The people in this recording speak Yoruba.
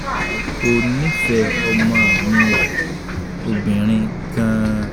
Ó nífẹ̀ẹ́ ọmọ mi mi obìnrin gan-an.